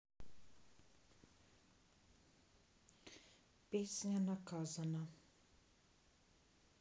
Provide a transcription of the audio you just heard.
песня наказана